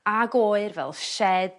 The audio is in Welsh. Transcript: ag oer fel shed